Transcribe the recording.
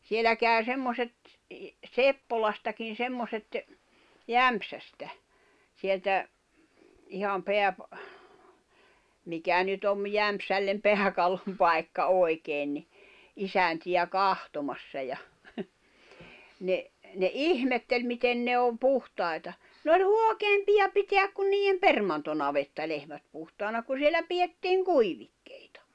siellä kävi semmoiset Seppolastakin semmoiset Jämsästä sieltä ihan - mikä nyt on Jämsälle pääkallonpaikka oikein niin isäntiä katsomassa ja ne ne ihmetteli miten ne on puhtaita ne oli huokeampia pitää kuin niiden permantonavettalehmät puhtaana kun siellä pidettiin kuivikkeita